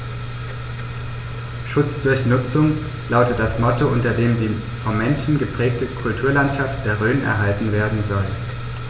„Schutz durch Nutzung“ lautet das Motto, unter dem die vom Menschen geprägte Kulturlandschaft der Rhön erhalten werden soll.